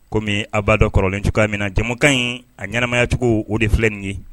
Kɔmimi a bba dɔ kɔrɔlen cogoyaka min na jamukan in a ɲɛnaɛnɛmayacogo o de filɛ nin ye